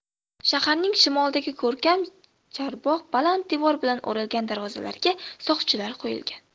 shaharning shimolidagi ko'rkam chorbog' baland devor bilan o'ralgan darvozalarga soq chilar qo'yilgan